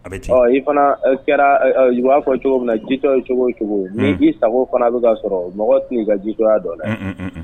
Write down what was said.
A bɛ ten ɔ i fana kɛra u ba fɔ cogo min na jito cogo o cogo, un, ni i sago fana bɛ ka sɔrɔ mɔgɔ ti ka jitoya dɔn dɛ, unhun.